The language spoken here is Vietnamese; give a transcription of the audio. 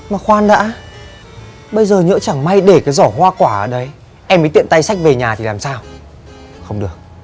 mà khoan đã bây giờ nhỡ chẳng may để cái giỏ hoa quả ở đấy em đấy tiện tay xách về nhà thì làm sao không được